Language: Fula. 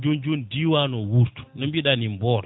joni joni diwan o wuurta no mbiɗani Mboro